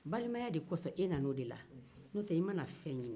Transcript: balimaya de kosɔn e nana o de la ni o tɛ e ma na fɛn ɲini